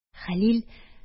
Хәлил